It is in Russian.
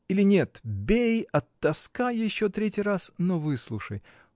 или нет, бей, оттаскай еще третий раз, но выслушай.